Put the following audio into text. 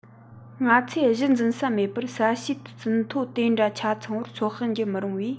ང ཚོས གཞི འཛིན ས མེད པར ས གཤིས ཟིན ཐོ དེ འདྲ ཆ ཚང བར ཚོད དཔག བགྱི མི རུང བས